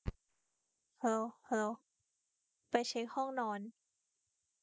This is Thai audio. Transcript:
ไปเช็คห้องนอน